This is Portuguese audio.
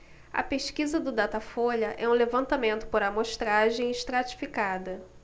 a pesquisa do datafolha é um levantamento por amostragem estratificada